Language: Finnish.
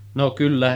no kyllä